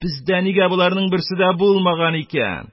Бездә нигә боларның берсе дә булмаган икән?!!